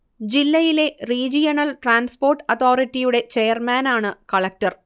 ജില്ലയിലെ regional transport അതോറിറ്റിയുടെ ചെയർമാനാണ് കളക്ടർ